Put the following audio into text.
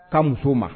Ka muso ma